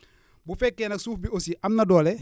bu fekkee nag suuf bi aussi am na doole